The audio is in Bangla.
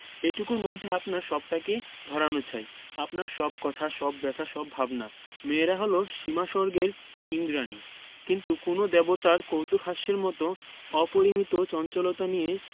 এটুকুর মধ্যে আপনার সবটাকে ধরানো চাই আপনার সব কথা সব ব্যাথা সব ভাবনা মেয়েরা হল সীমাস্বর্গের ঈন্দ্রাণী কিন্তু কোন দেবতার কৌতূকহাস্যের মত অপরিমিত চঞ্চলতা নিয়ে